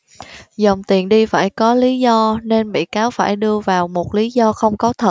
dòng tiền đi phải có lý do nên bị cáo phải đưa vào một lý do không có thật